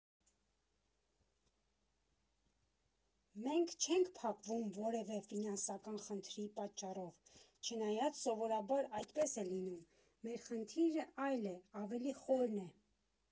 Մենք չենք փակվում որևէ ֆինանսական խնդրի պատճառով, չնայած սովորաբար այդպես է լինում, մեր խնդիրը այլ է, ավելի խորն է.